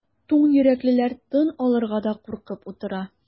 Туң йөрәклеләр тын алырга да куркып утыра.